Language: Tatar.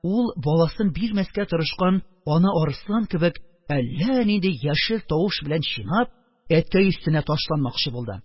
Ул, баласын бирмәскә тырышкан ана арыслан кебек, әллә нинди яшел тавыш белән чинап, әткәй өстенә ташланмакчы булды.